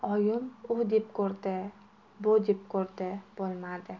oyim u deb ko'rdi bu deb ko'rdi bo'lmadi